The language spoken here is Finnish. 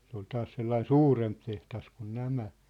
se oli taas sellainen suurempi tehdas kuin nämä